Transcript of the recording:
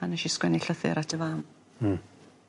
Pan nesh i sgwennu llythyr at dy fam. Hmm.